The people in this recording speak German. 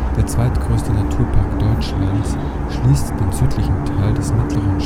der zweitgrößte Naturpark Deutschlands, schließt den südlichen Teil des Mittleren